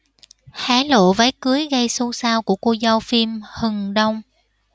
hé lộ váy cưới gây xôn xao của cô dâu phim hừng đông